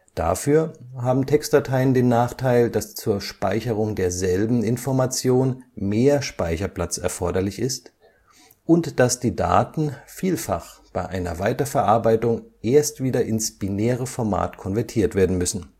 Dafür haben Textdateien den Nachteil, dass zur Speicherung derselben Information mehr Speicherplatz erforderlich ist und dass die Daten vielfach bei einer Weiterverarbeitung erst wieder ins binäre Format konvertiert werden müssen